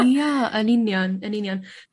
Ia yn union yn union.